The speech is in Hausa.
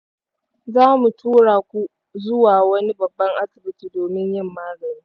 za mu tura ku zuwa wani babban asibiti domin yin magani.